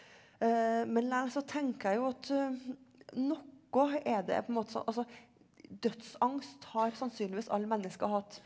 men likevel så tenker jeg jo at noe er det på en måte så altså dødsangst har sannsynligvis alle mennesker hatt.